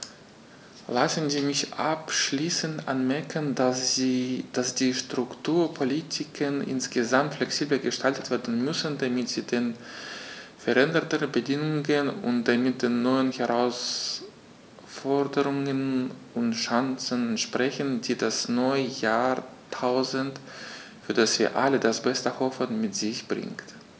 Lassen Sie mich abschließend anmerken, dass die Strukturpolitiken insgesamt flexibler gestaltet werden müssen, damit sie den veränderten Bedingungen und damit den neuen Herausforderungen und Chancen entsprechen, die das neue Jahrtausend, für das wir alle das Beste hoffen, mit sich bringt.